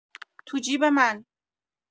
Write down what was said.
تو جیب من